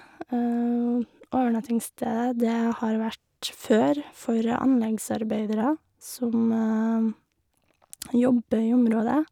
Overnattingsstedet, det har vært, før, for anleggsarbeidere som jobber i området.